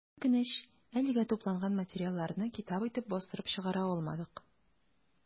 Ни үкенеч, әлегә тупланган материалларны китап итеп бастырып чыгара алмадык.